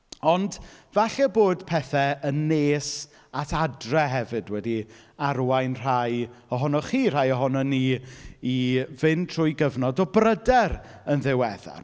Ond, falle bod pethe yn nes at adre hefyd wedi arwain rhai ohonoch chi, rhai ohonon ni i fynd trwy gyfnod o bryder yn ddiweddar.